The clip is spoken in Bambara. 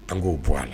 K' bɔ a la